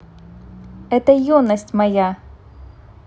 это юность моя